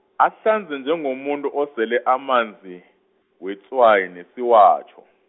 ahlanze njengomuntu osele amanzi, wetswayi nesiwatjho.